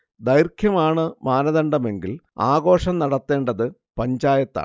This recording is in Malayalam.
ദൈർഘ്യമാണ് മാനദണ്ഡമെങ്കിൽ ആഘോഷം നടത്തേണ്ടത് പഞ്ചായത്താണ്